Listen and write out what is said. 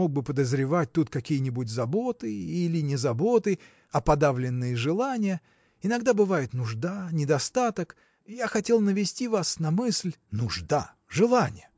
мог бы подозревать тут какие-нибудь заботы. или не заботы. а подавленные желания. иногда бывает нужда, недостаток. я хотел навести вас на мысль. – Нужда, желания!